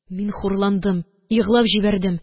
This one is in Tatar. Мин хурландым, еглап җибәрдем.